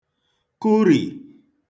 kụrì